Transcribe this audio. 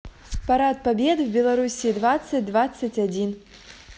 парад победы в белоруссии двадцать двадцать один